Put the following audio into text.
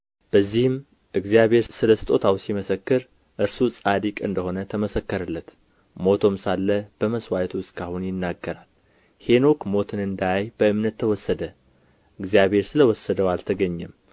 በዚህም እግዚአብሔር ስለ ስጦታው ሲመሰክር እርሱ ጻድቅ እንደ ሆነ ተመሰከረለት ሞቶም ሳለ በመሥዋዕቱ እስከ አሁን ይናገራል ሄኖክ ሞትን እንዳያይ በእምነት ተወሰደ እግዚአብሔርም ስለ ወሰደው አልተገኘም